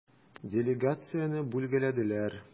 Делегацияне бүлгәләделәр.